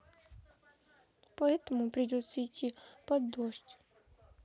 поэтому придется идти под дождь